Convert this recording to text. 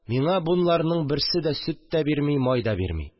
Миңа боннарның берсе дә сөт тә бирми, май да бирми